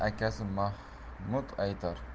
akasi mahmud aytar